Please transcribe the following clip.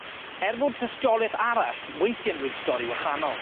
Er fod tystioleth arall weithie'n dweud stori wahanol.